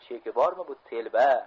cheki bormi bu telba